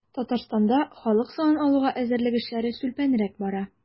Татарстанда халык санын алуга әзерлек эшләре сүлпәнрәк бара.